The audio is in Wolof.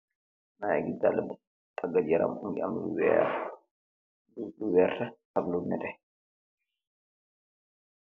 Ayi dallala nyugui am color you werrta ak lou neteh